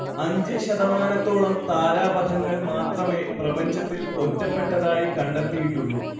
അഞ്ച് ശതമാനത്തോളം താരാപഥങ്ങൾ മാത്രമേ പ്രപഞ്ചത്തിൽ ഒറ്റപ്പെട്ടതായി കണ്ടെത്തിയിട്ടുള്ളൂ